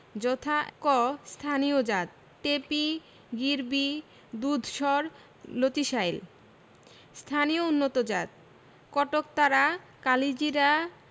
যথাঃ ক স্থানীয় জাতঃ টেপি গিরবি দুধসর লতিশাইল খ স্থানীয় উন্নতজাতঃ কটকতারা কালিজিরা